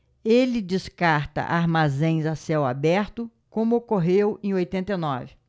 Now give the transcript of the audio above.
ele descarta armazéns a céu aberto como ocorreu em oitenta e nove